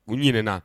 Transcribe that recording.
U ɲinɛna